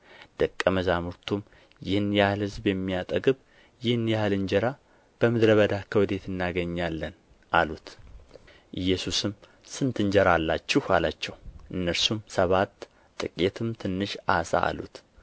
ደቀ መዛሙርቱም ይህን ያህል ሕዝብ የሚያጠግብ ይህን ያህል እንጀራ በምድረ በዳ ከወዴት እናገኛለን አሉት ኢየሱስም ስንት እንጀራ አላችሁ አላቸው እነርሱም ሰባት ጥቂትም ትንሽ ዓሣ አሉት